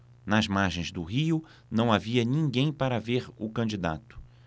nas margens do rio não havia ninguém para ver o candidato